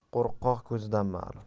qo'rqoq ko'zidan ma'lum